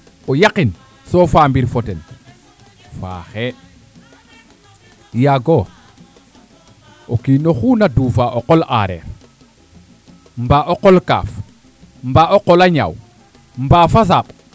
o yaqin so faamir fo ten faaxe yaago o kiino xu naa duufa o qol areer mba o qol kaaf mba o qola ñaaw mbaa fasaɓ